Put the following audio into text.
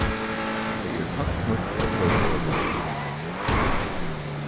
tey eru tætt knýtt at hvørjum øðrum